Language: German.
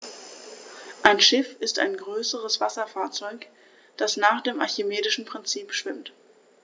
Ein Schiff ist ein größeres Wasserfahrzeug, das nach dem archimedischen Prinzip schwimmt.